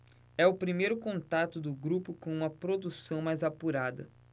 é o primeiro contato do grupo com uma produção mais apurada